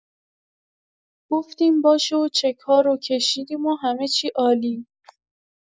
گفتیم باشه و چک‌ها رو کشیدیم و همه چی عالی!